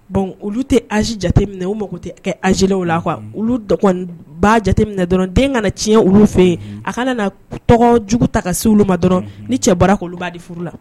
Bon olu tɛ âge jateminɛ u mago tɛ âgés lenw la quoi olu dɔgɔnin b'a jateminɛ dɔrɔn den kana tiɲɛ olu fɛ yen a kana na tɔgɔjugu ta ka se olu ma dɔrɔn ni cɛ bar'a kɔ dɔrɔn olu b'a di furu la